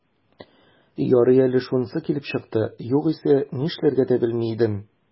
Ярый әле шунысы килеп чыкты, югыйсә, нишләргә дә белми идем...